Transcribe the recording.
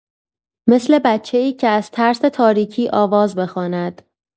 مثل بچه‌ای که از ترس تاریکی آواز بخواند.